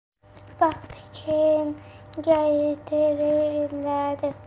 vaqt kengaytiriladi